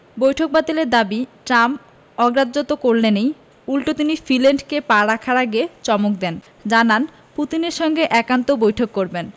বৈঠক বাতিলের দাবি ট্রাম্প অগ্রাহ্য তো করলেনই উল্টো তিনি ফিনল্যান্ডে পা রাখার আগে চমক দেন জানান পুতিনের সঙ্গে একান্ত বৈঠক করবেন